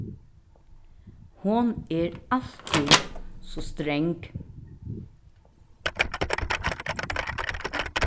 hon er altíð so strang